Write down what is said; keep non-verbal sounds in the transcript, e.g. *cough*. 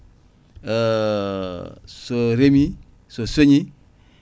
*hesitation* so reemi so sooñi